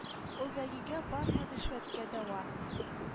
Ул бәйгегә бармы ришвәткә дәва